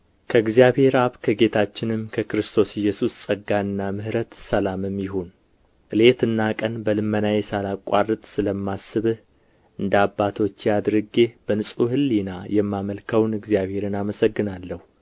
ከእግዚአብሔር አብ ከጌታችንም ከክርስቶስ ኢየሱስ ጸጋና ምሕረት ሰላምም ይሁን ሌትና ቀን በልመናዬ ሳላቋርጥ ስለማስብህ እንደ አባቶቼ አድርጌ በንጹሕ ሕሊና የማመልከውን እግዚአብሔርን አመሰግናለሁ